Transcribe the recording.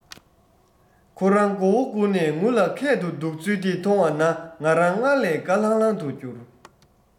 ཁོ རང མགོ བོ སྒུར ནས ངུ ལ ཁད དུ འདུག ཚུལ འདི མཐོང བ ན ང རང སྔར ལས དགའ ལྷང ལྷང གྱུར